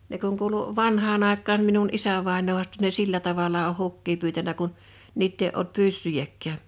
ne kun kuului vanhaan aikaan minun isävainaa haastoi ne sillä tavalla on hukkia pyytänyt kun niitä ei ollut pyssyjäkään